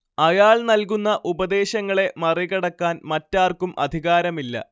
അയാൾ നൽകുന്ന ഉപദേശങ്ങളെ മറികടക്കാൻ മറ്റാർക്കും അധികാരമില്ല